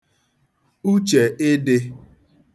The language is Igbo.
uche ị dị